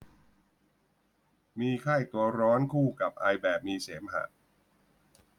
มีไข้ตัวร้อนคู่กับไอแบบมีเสมหะ